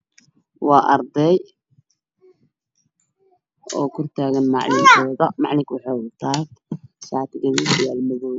Waa arday oo ku taagan macalinkooda macalinka wuxuu wataa shaati guduud iyo sarwal madow